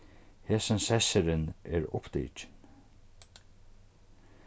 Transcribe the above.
hesin sessurin er upptikin